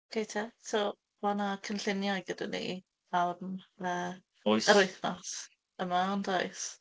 Okay te, so mae 'na cynlluniau gyda ni am, yy... Oes. ...yr wythnos yma, yn does?